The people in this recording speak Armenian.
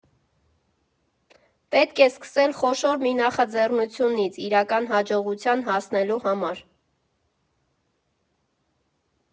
Պետք է սկսել խոշոր մի նախաձեռնությունից իրական հաջողության հասնելու համար»։